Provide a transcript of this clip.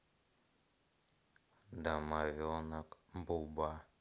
домовенок буба